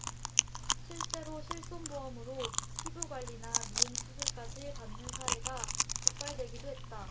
실제로 실손보험으로 피부관리나 미용 수술까지 받는 사례가 적발되기도 했다